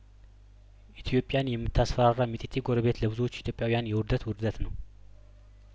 ኢትዮጵያን የምታስ ፈራራ ሚጢጢ ጐረቤት ለብዙዎች ኢትዮጵያውያን የውርደት ውርደት ነው